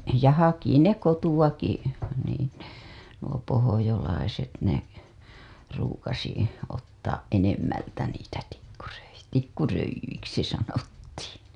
ja haki ne kotoakin niin nuo pohjalaiset ne ruukasi ottaa enemmältä niitä - tikkuröijyiksi sanottiin